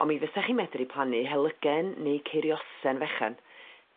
on' mi fysach chi' medru plannu helygen neu ceiriosen fechan